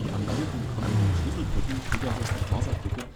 Alliierten konnten die Schlüsselbrücken (Pegasus - und Horsabrücke